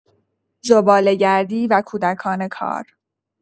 زباله‌گردی و کودکان کار